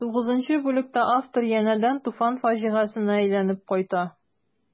Тугызынчы бүлектә автор янәдән Туфан фаҗигасенә әйләнеп кайта.